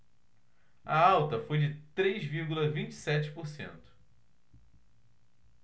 a alta foi de três vírgula vinte e sete por cento